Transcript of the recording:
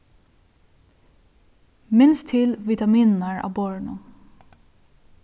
minst til vitaminirnar á borðinum